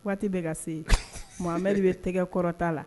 Waati bɛ ka se mamameri de bɛ tɛgɛ kɔrɔ tta la